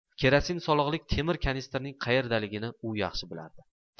kerosin solig'liq temir kanistrning qaerdaligini u yaxshi bilardi